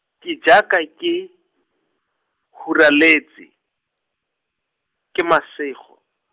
ke jaaka ke, hularetswe, ke masego.